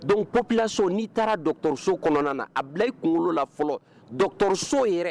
Donc population n'i taara dɔgɔtɔrɔsow kɔnɔna na, a bila i kunkolo la fɔlɔ dɔgɔtɔrɔso yɛrɛ